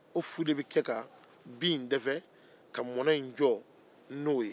o fuu de bɛ ka bin in dɛbɛ ka mɔnɔ in jɔ n'o ye